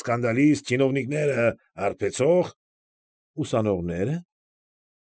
Սկանդալիստ, չինովնիկները՝ արբեցող։ ֊ Ուսանողնե՞րը։ ֊